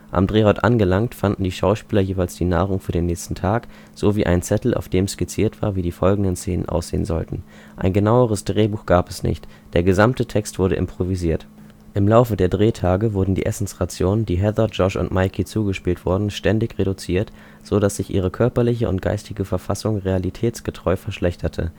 Am Drehort angelangt, fanden die Schauspieler jeweils die Nahrung für den nächsten Tag sowie einen Zettel, auf dem skizziert war, wie die folgenden Szenen aussehen sollten. Ein genaueres Drehbuch gab es nicht, der gesamte Text wurde improvisiert. Im Laufe der Drehtage wurden die Essensrationen, die Heather, Josh und Mike zugespielt wurden, ständig reduziert, so dass sich ihre körperliche und geistige Verfassung realitätsgetreu verschlechterte